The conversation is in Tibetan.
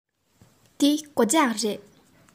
འདི སྒོ ལྕགས རེད